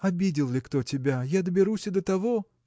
Обидел ли кто тебя: я доберусь и до того.